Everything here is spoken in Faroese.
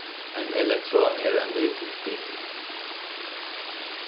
ein elektron er ein lítil bitil